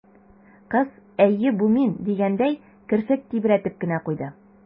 Кыз, «әйе, бу мин» дигәндәй, керфек тибрәтеп кенә куйды.